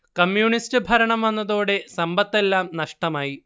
communist ഭരണം വന്നതോടെ സമ്പത്തെല്ലാം നഷ്ടമായി